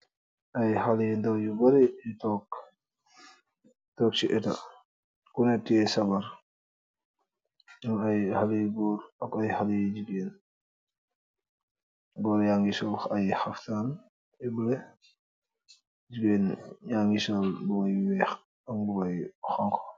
Ay xale ndaw yu bari, yu toog. Toog si eta. Kune tiye sabar. Am ay xale goor ak ay xalee jigeen. Goor yangi sol ay xaftaan, jigeen ña ngi sol mbubum yu weex ak mbuba yu xooñxu.